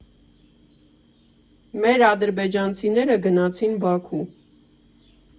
Մեր ադրբեջանցիները գնացին Բաքու։